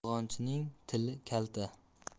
yolg'onchining till kalta